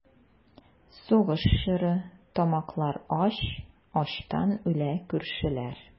Сугыш чоры, тамаклар ач, Ачтан үлә күршеләр.